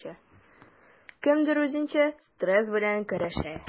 Кемдер үзенчә стресс белән көрәшә.